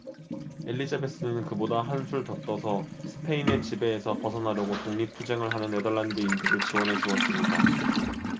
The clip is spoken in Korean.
엘리자베스는 그보다 한술 더 떠서 스페인의 지배에서 벗어나려고 독립 투쟁을 하는 네덜란드인들을 지원해 주었습니다